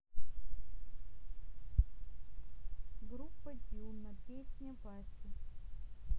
группа дюна песня васи